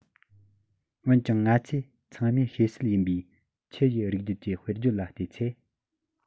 འོན ཀྱང ང ཚོས ཚང མས ཤེས གསལ ཡིན པའི ཁྱི ཡི རིགས རྒྱུད ཀྱི དཔེར བརྗོད ལ བལྟས ཚེ